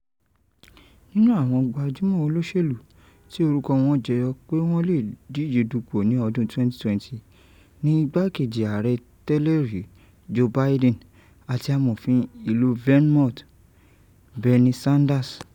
Nínú àwọn gbajúmọ̀ olóṣèlú tí orúkọ wọn jẹyọ pé wọ́n lè díje dupò ní ọdún 2020 ni igbákejì ààrẹ tẹ́lẹ̀ rí Joe Biden àti Amòfin ìlú Vermont, Bernie Sanders.